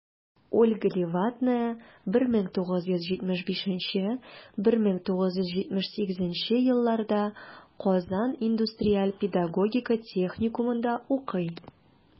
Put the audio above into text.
Ольга Левадная 1975-1978 елларда Казан индустриаль-педагогика техникумында укый.